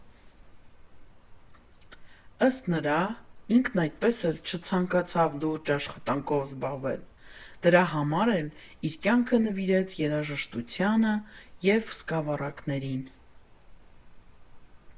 Ըստ նրա՝ ինքն այդպես էլ չցանկացավ լուրջ աշխատանքով զբաղվել, դրա համար էլ իր կյանքը նվիրեց երաժշտությանը և սկավառակներին։